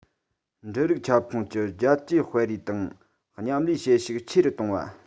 འབྲུ རིགས ཁྱབ ཁོངས ཀྱི རྒྱལ སྤྱིའི སྤེལ རེས དང མཉམ ལས བྱེད ཤུགས ཆེ རུ གཏོང བ